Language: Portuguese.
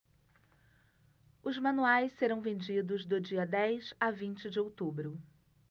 os manuais serão vendidos do dia dez a vinte de outubro